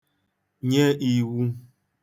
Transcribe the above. nye īwū